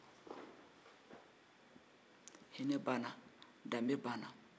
hinɛ banna danbe banna